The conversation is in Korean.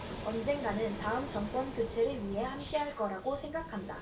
언젠가는 다음 정권 교체를 위해 함께할 거라고 생각한다